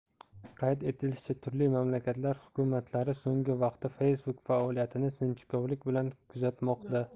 qayd etilishicha turli mamlakatlar hukumatlari so'nggi vaqtda facebook faoliyatini sinchkovlik bilan kuzatmoqda